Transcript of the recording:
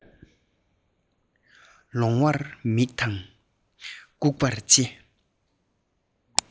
ལོང བར མིག དང ལྐུགས པར ལྕེ